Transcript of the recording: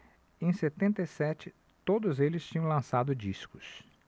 em setenta e sete todos eles tinham lançado discos